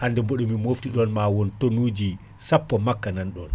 hande boɗomi moftiɗon ma won tonne nuji sappo makka nanɗon